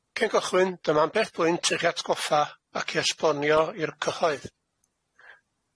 Cyn cychwyn, dyma ambell bwynt i'ch atgoffa ac esbonio i'r cyhoedd.